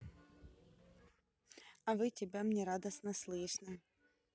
а вы тебя мне радостно слышно